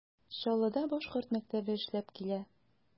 Чаллыда башкорт мәктәбе эшләп килә.